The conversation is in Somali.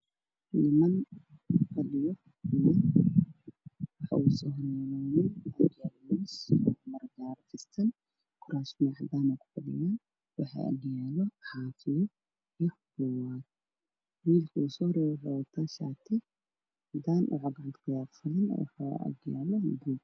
Waa niman fadhiyo meel waxaa ugu soo horeeyo nin waxaa horyaala miis waxaa saaran maro cadaan ah, kuraasman cadaan ah kufadhiyaan waxaa agyaalo caafiyo iyo buugaag, wiilka ugu soo horeeyo waxuu wataa shaati cadaan waxuu gacanta kuhayaa qalin.